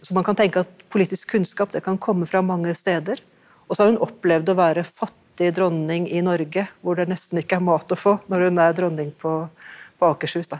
så man kan tenkte at politisk kunnskap, det kan komme fra mange steder også har hun opplevd å være fattig dronning i Norge hvor det nesten ikke er mat å få når hun er dronning på Akershus da.